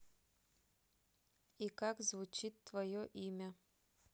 и как звучит твое имя